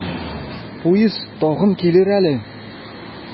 Поезд тагын килер әле.